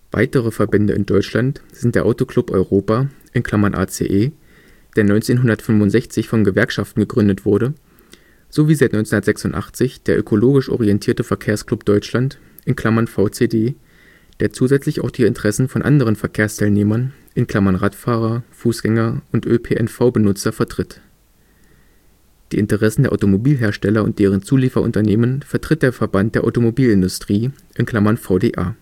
Weitere Verbände in Deutschland sind der Auto Club Europa (ACE), der 1965 von Gewerkschaften gegründet wurde, sowie seit 1986 der ökologisch orientierte Verkehrsclub Deutschland (VCD), der zusätzlich auch die Interessen von anderen Verkehrsteilnehmern (Radfahrer, Fußgänger, ÖPNV-Benutzer) vertritt. Die Interessen der Automobilhersteller und deren Zulieferunternehmen vertritt der Verband der Automobilindustrie (VDA